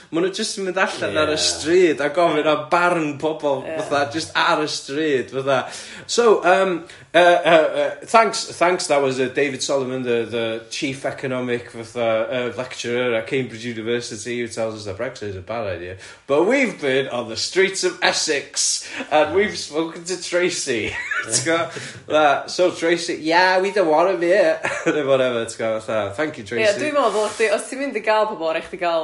Ma' nhw jyst yn mynd allan ar y stryd a gofyn am barn pobol fatha jyst ar y stryd fatha so yym yy yy yy thanks thanks that was yy David Solomon the the chief economic fatha yy lecturer at Cambridge University who tells us that Brexit is a bad idea but we've been on the streets of Essex and we've spoken to Tracey ti'n gwbod fatha so Tracey yeah we don't want him here or whatever ti'n gwbod fatha thank you Tracey... Ia dwi'n meddwl ddylia chdi os ti'n mynd i ga'l pobol raid chdi gael